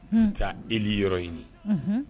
Ja eli yɔrɔ ɲini